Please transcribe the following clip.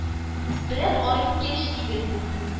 Берәр ай үткәч, егет бу